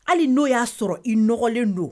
Hali n'o y'a sɔrɔ iɔgɔlen don